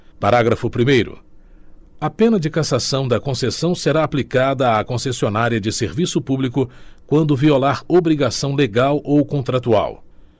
parágrafo primeiro a pena de cassação da concessão será aplicada à concessionária de serviço público quando violar obrigação legal ou contratual